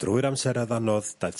Drwy'r amseroedd anodd daeth...